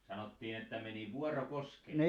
sanottiin että meni vuoro koskeen